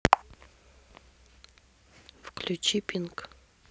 включи пинк